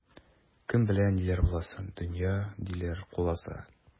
Кем белә ниләр буласын, дөнья, диләр, куласа.